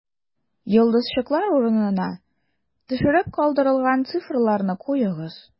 Йолдызчыклар урынына төшереп калдырылган цифрларны куегыз: